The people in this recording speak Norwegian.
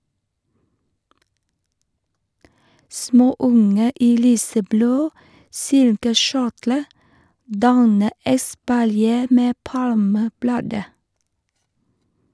Småunger i lyseblå silkekjortler danner espalier med palmeblader.